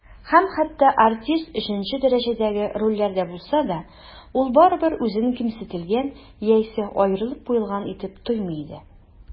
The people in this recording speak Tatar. Һәм хәтта артист өченче дәрәҗәдәге рольләрдә булса да, ул барыбыр үзен кимсетелгән яисә аерылып куелган итеп тоймый иде.